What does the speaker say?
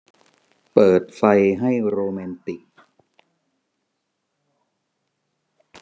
เปิดไฟให้โรแมนติก